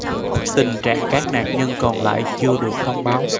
tình trạng các nạn nhân còn lại chưa được thông báo